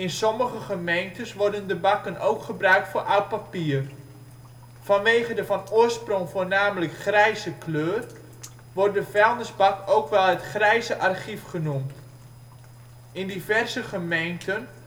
sommige gemeentes worden de bakken ook gebruikt voor oud papier. Vanwege de van oorsprong voornamelijk grijze kleur, wordt de vuilnisbak ook wel het " grijze archief " genoemd. In diverse gemeenten